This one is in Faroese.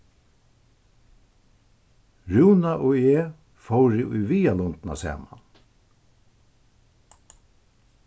rúna og eg fóru í viðarlundina saman